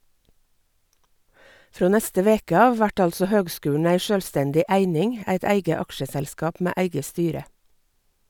Frå neste veke av vert altså høgskulen ei sjølvstendig eining, eit eige aksjeselskap med eige styre.